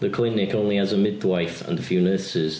The clinic only has a midwife and a few nurses.